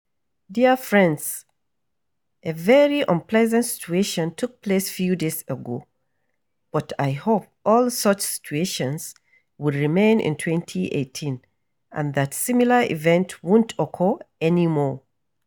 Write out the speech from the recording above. Dear friends, a very unpleasant situation took place few days ago, but I hope all such situations will remain in 2018 and that similar event won't occur any more.